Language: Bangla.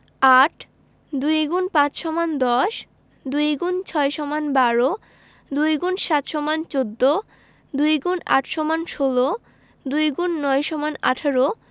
৮ ২ X ৫ = ১০ ২ X ৬ = ১২ ২ X ৭ = ১৪ ২ X ৮ = ১৬ ২ X ৯ = ১৮